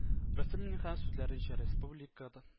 Рөстәм Миннеханов сүзләренчә, республикада